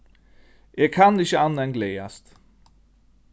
eg kann ikki annað enn gleðast